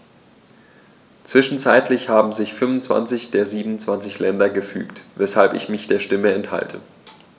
Zwischenzeitlich haben sich 25 der 27 Länder gefügt, weshalb ich mich der Stimme enthalte.